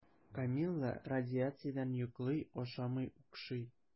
Камилла радиациядән йоклый, ашамый, укшый.